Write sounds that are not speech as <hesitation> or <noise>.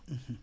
<hesitation> <hesitation>